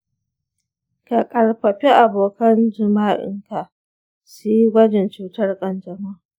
ka ƙarfafi abokan jima'inka su yi gwajin cutar ƙanjamau.